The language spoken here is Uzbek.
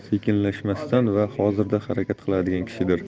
sekinlashmasdan va hozirda harakat qiladigan kishidir